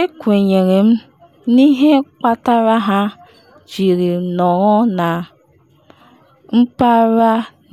“Ekwenyere m n’ihe kpatara ha jiri nọrọ na